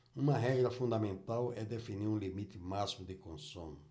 uma regra fundamental é definir um limite máximo de consumo